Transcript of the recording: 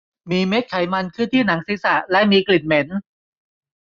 มีเม็ดไขมันขึ้นที่หนังศีรษะและมีกลิ่นเหม็น